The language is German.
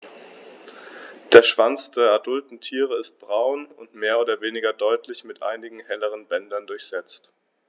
Der Schwanz der adulten Tiere ist braun und mehr oder weniger deutlich mit einigen helleren Bändern durchsetzt.